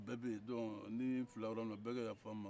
olu bɛɛ bɛ yen ni n filila yɔrɔ min na bɛɛ ka yafa n ma